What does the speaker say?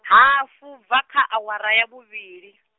hafu ubva kha awara ya vhuvhili.